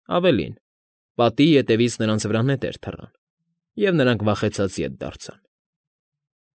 Ավելին, պատի ետևից նրանց վրա նետեր թռան, և նրանք վախեցած ետ դարձան։